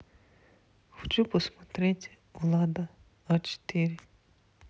хочу посмотреть влада а четыре